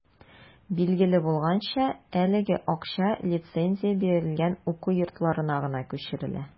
Билгеле булганча, әлеге акча лицензия бирелгән уку йортларына гына күчерелә.